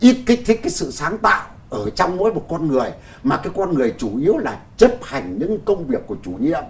ít kích thích cái sự sáng tạo ở trong mỗi một con người mà cái con người chủ yếu là chấp hành những công việc của chủ nhiệm